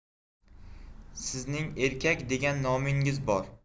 sizning erkak degan nomingiz bor